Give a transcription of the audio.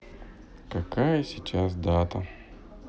какая сейчас дата